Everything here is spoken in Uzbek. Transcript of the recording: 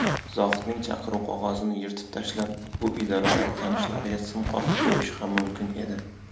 zohidning chaqiruv qog'ozini yirtib tashlab bu idoradagi tanishlariga sim qoqib qo'yishi ham mumkin edi